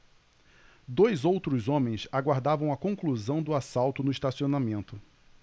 dois outros homens aguardavam a conclusão do assalto no estacionamento